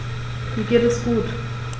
Mir geht es gut.